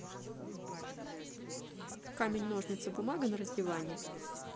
камень ножницы бумага на раздевание